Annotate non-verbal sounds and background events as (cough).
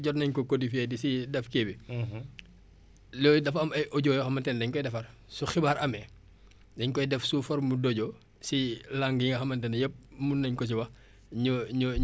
yooyu dafa am ay audios yoo xamante ne dañ koy defar su xibaar amee dañ koy def sous forme d' audio si langues yi nga xamante ne yëpp mun nañ ko si wax ñu ñu ñu envoyer ko selon (hesitation) les zones